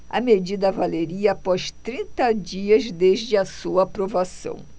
a medida valeria após trinta dias desde a sua aprovação